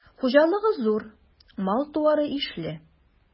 Хуҗалыгы зур, мал-туары ишле.